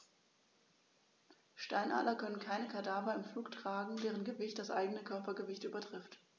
Steinadler können keine Kadaver im Flug tragen, deren Gewicht das eigene Körpergewicht übertrifft.